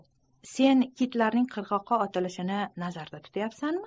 sen kitlarning qirg'oqqa otilishini nazarda tutyapsanmi